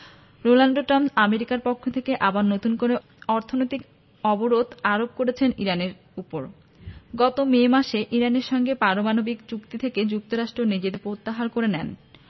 Donald Trump আমেরিকার পক্ষ থেকে আবার নতুন করে অর্থনৈতিক অবরোধ আরোপ করেছেন ইরানের ওপর গত মে মাসে ইরানের সঙ্গে পারমাণবিক চুক্তি থেকে যুক্তরাষ্ট্র নিজেদের প্রত্যাহার করে নেন